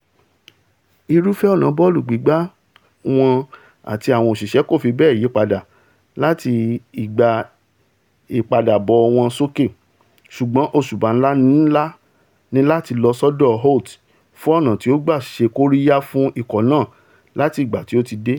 Ìrúfẹ ọ̀nà bọ́ọ̀lù gbígbá wọn àti àwọn òṣìṣẹ́ kò fí bẹ́ẹ̀ yípadà láti ìgbà ìpadàbọ̀ wọn sókè, sùgbọn òṣùbà ńlá nilàti lọ́ sọ́dọ̀ Holt fun ọ̀nà tí ó gbà ṣékóríyá fún ikọ̀ náà láti ìgbà tí ò ti dé.